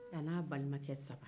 a na balima kɛ saba